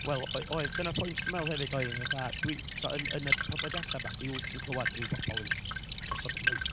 Wel, o- oedd, dyna point dwi'n meddwl hefyd oedd, fatha, dwi, tibod yn yn y podlediadau bach, mi wyt ti'n clywed ryw bobl yn gosod y meic,